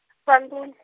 lwa ndun-.